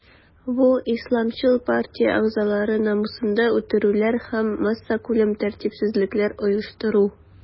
Бу исламчыл партия әгъзалары намусында үтерүләр һәм массакүләм тәртипсезлекләр оештыру.